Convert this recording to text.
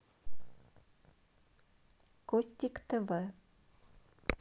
костик тв